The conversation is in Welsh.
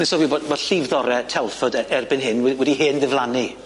Dwi'n sylwi bo' ma' llifddore Telford e- erbyn hyn we- wedi hen ddiflannu.